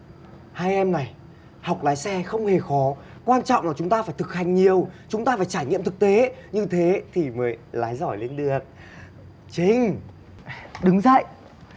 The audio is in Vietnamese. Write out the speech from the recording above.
hai em này học lái xe không hề khó quan trọng là chúng ta phải thực hành nhiều chúng ta phải trải nghiệm thực tế như thế thì mới lái giỏi lên được trinh đứng dậy